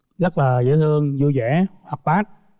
rất là dễ thương vui vẻ hoạt bát